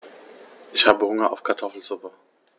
Ich habe Hunger auf Kartoffelsuppe.